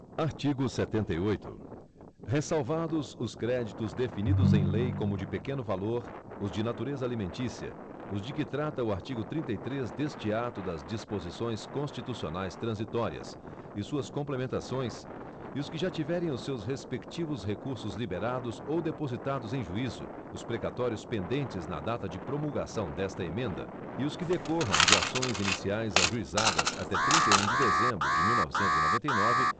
artigo setenta e oito ressalvados os créditos definidos em lei como de pequeno valor os de natureza alimentícia os de que trata o artigo trinta e três deste ato das disposições constitucionais transitórias e suas complementações e os que já tiverem os seus respectivos recursos liberados ou depositados em juízo os precatórios pendentes na data de promulgação desta emenda e os que decorram de ações iniciais ajuizadas até trinta e um de dezembro de mil novecentos e noventa e nove